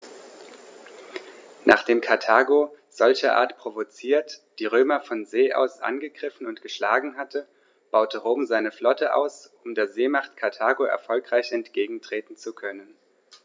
Nachdem Karthago, solcherart provoziert, die Römer von See aus angegriffen und geschlagen hatte, baute Rom seine Flotte aus, um der Seemacht Karthago erfolgreich entgegentreten zu können.